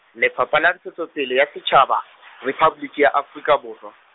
Lefapha la Ntshetsopele ya Setjhaba Rephaboliki ya Afrika Borwa.